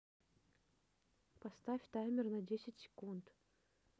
поставь таймер на десять секунд